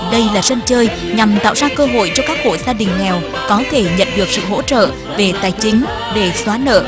đây là sân chơi nhằm tạo ra cơ hội cho các hộ gia đình nghèo có thể nhận được sự hỗ trợ về tài chính để xóa nợ